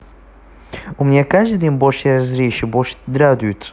у меня каждый день больше разреши больше радуются